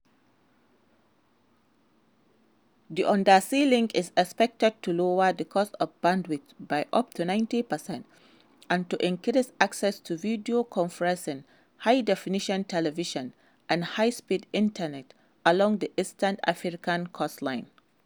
The undersea link is expected to lower the cost of bandwidth by up to 90 percent and to increase access to video conferencing, high definition television and high speed Internet along the eastern African coastline.